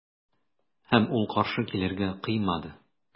Һәм ул каршы килергә кыймады.